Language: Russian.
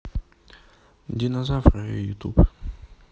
динозавры ютуб